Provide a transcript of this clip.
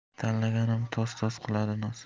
tanlaganim toz toz qiladi noz